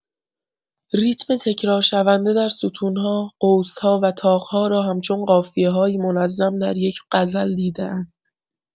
ریتم تکرارشونده در ستون‌ها، قوس‌ها و طاق‌ها را همچون قافیه‌هایی منظم در یک غزل دیده‌اند.